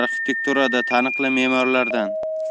arxitekturada taniqli me'morlardan